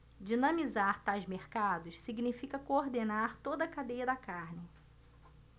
dinamizar tais mercados significa coordenar toda a cadeia da carne